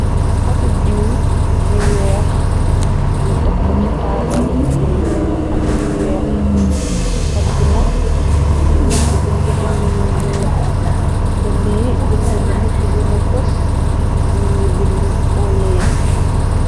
Potu diiw bu weex ni tekko ci taabal bu ñuy amlu weex. Pot bi nak ñum ci bind-bind yuñu bind yi. Bind bili ci gëna fos mu ngi bind olee.